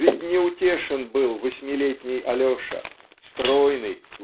Ведь неутешен был восьмилетний Алеша стройный